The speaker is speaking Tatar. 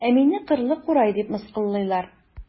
Ә мине кырлы курай дип мыскыллыйлар.